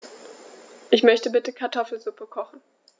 Ich möchte bitte Kartoffelsuppe kochen.